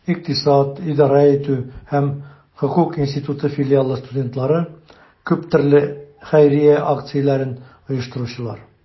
Икътисад, идарә итү һәм хокук институты филиалы студентлары - күп төрле хәйрия акцияләрен оештыручылар.